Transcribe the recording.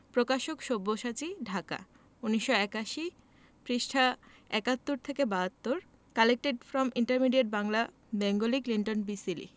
প্রকাশক সব্যসাচী ঢাকা ১৯৮১ পৃঃ ৭১ থেকে ৭২ Collected from Intermediate Bangla Bengali Clinton B.Seely